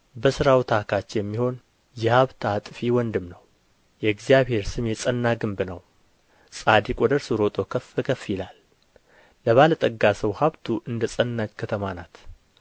በሥራው ታካች የሚሆን የሀብት አጥፊ ወንድም ነው የእግዚአብሔር ስም የጸና ግምብ ነው ጻድቅ ወደ እርሱ ሮጦ ከፍ ከፍ ይላል ለባለጠጋ ሰው ሀብቱ እንደ ጸናች ከተማ ናት